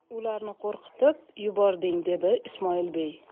ularni qo'rqitib yubording dedi ismoilbey